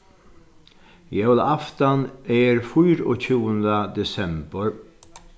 jólaaftan er fýraogtjúgunda desembur